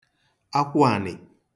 akwụànị̀